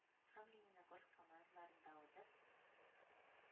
Һәм лениногорск командаларын да узып,